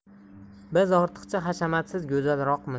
biz ortiqcha hashamatsiz go'zalroqmiz